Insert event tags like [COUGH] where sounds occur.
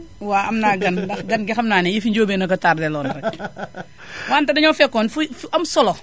waaw am naa gan [LAUGHS] ndax gan gi xam naa ne yëf i njóobéen a ko tardeel loon rekk [LAUGHS] wante dañoo fekkoon fu fu am solo